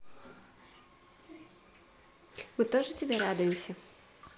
мы тоже тебе радуемся